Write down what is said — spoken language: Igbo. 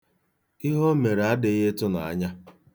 Ihe o mere adịghị ịtụnaanya.